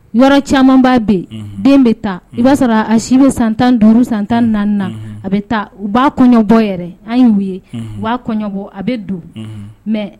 Yɔrɔ caman'a bɛ yen den bɛ taa i b'a sɔrɔ a si bɛ san tan duuru san tan na na a bɛ taa u b'a kɔɲɔbɔ yɛrɛ an ye u b'abɔ a bɛ don mɛ